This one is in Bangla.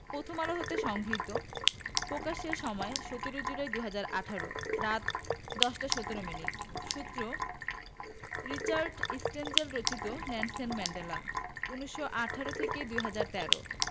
প্রথম আলো হতে সংগৃহীত প্রকাশের সময় ১৭ জুলাই ২০১৮ রাত ১০টা ১৭ মিনিট সূত্র রিচার্ড স্ট্যানজেল রচিত নেলসন ম্যান্ডেলা ১৯১৮ ২০১৩